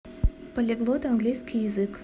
полиглот английский язык